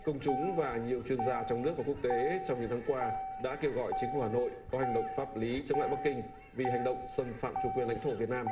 công chúng và nhiều chuyên gia trong nước và quốc tế trong những tháng qua đã kêu gọi chính phủ hà nội có hành động pháp lý chống lại bắc kinh vì hành động xâm phạm chủ quyền lãnh thổ việt nam